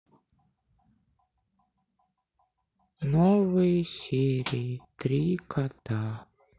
новые серии три кота